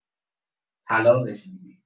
طلاقش می‌دی!